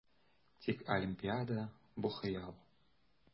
Тик Олимпиада - бу хыял!